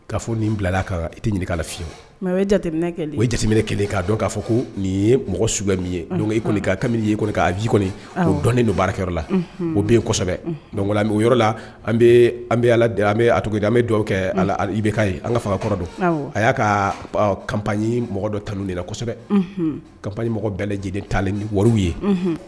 Ka fɔ bila i tɛ ɲininka k fiye jateminɛ dɔn k' ko nin ye mɔgɔ ye kɔni a vi dɔn don baarakɛ la o bɛsɛbɛ don yɔrɔ la an bɛ ala an an bɛ kɛ bɛa ye an ka faga kɔrɔ dɔn a y'a ka kap mɔgɔ dɔ tan de na kosɛbɛ kamɔgɔ bɛɛ lajɛlen ta ni wari ye